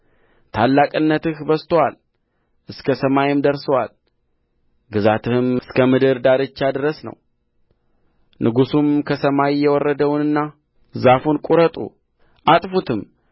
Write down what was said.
ታላቅነትህ በዝቶአል እስከ ሰማይም ደርሶአል ግዛትህም እስከ ምድር ዳርቻ ድረስ ነው ንጉሡም ከሰማይ የወረደውንና ዛፉን ቍረጡ አጥፉትም